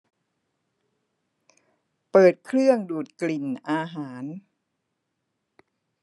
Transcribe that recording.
เปิดเครื่องดูดกลิ่นอาหาร